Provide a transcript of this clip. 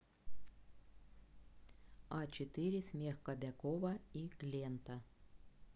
а четыре смех кобякова и глента